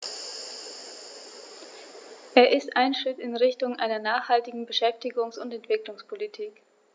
Er ist ein Schritt in Richtung einer nachhaltigen Beschäftigungs- und Entwicklungspolitik.